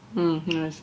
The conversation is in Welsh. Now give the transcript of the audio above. Mm wyt.